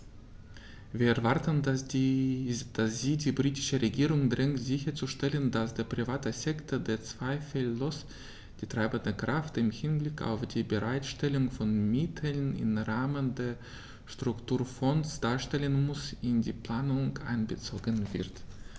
Wir erwarten, dass sie die britische Regierung drängt sicherzustellen, dass der private Sektor, der zweifellos die treibende Kraft im Hinblick auf die Bereitstellung von Mitteln im Rahmen der Strukturfonds darstellen muss, in die Planung einbezogen wird.